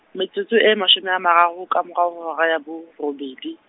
metsotso e mashome a mararo ka morao ho hora ya borobedi.